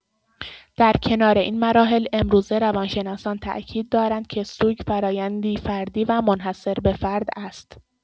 در کنار این مراحل، امروزه روان‌شناسان تأکید دارند که سوگ فرآیندی فردی و منحصربه‌فرد است.